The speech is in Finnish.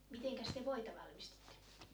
mitenkäs te voita valmistitte